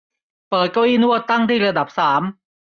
เปิดเก้าอี้นวดตั้งที่ระดับสาม